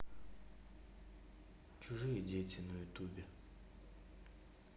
чужие дети на ютубе